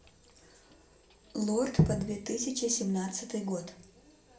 lorde по две тысячи семнадцатый год